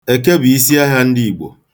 Eke bụ isi ahịa ndị Igbo.